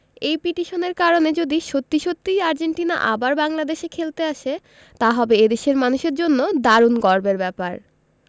এই পিটিশনের কারণে যদি সত্যি সত্যিই আর্জেন্টিনা আবার বাংলাদেশে খেলতে আসে তা হবে এ দেশের মানুষের জন্য দারুণ গর্বের ব্যাপার